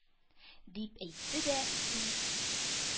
— дип әйтте дә, ди